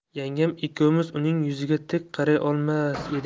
yangam ikkovimiz uning yuziga tik qaray olmas edik